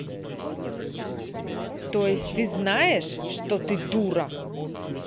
то есть ты знаешь что ты дура